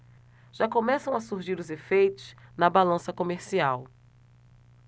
já começam a surgir os efeitos na balança comercial